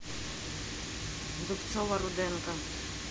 дубцова руденко